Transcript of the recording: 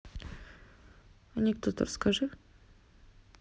анекдот расскажи